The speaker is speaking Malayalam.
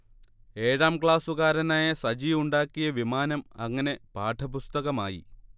ഏഴാം ക്ലാസ്സുകാരനായ സജി ഉണ്ടാക്കിയ വിമാനം അങ്ങനെ പാഠപുസ്തകമായി